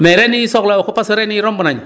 mais reen yi soxla woo ko parce que reen yi romb nañu